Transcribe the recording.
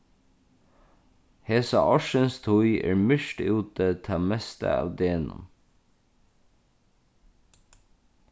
hesa ársins tíð er myrkt úti tað mesta av degnum